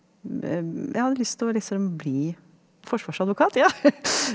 jeg hadde lyst til å liksom bli forsvarsadvokat ja .